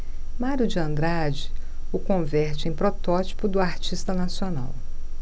mário de andrade o converte em protótipo do artista nacional